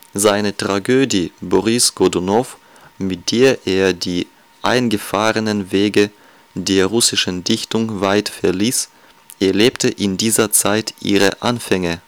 Seine Tragödie Boris Godunow, mit der er die eingefahrenen Wege der russischen Dichtung weit verließ, erlebte in dieser Zeit ihre Anfänge